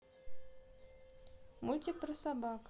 мультфильмы про собак